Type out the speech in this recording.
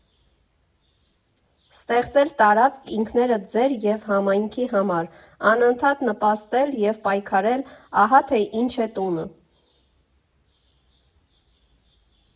Ստեղծել տարածք ինքներդ ձեր և համայնքի համար, անընդհատ նպաստել և պայքարել՝ ահա թե ինչ է տունը։